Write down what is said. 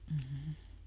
mm